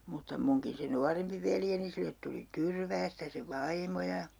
mutta minunkin se nuorempi veljeni sille tuli Tyrväästä se vaimo ja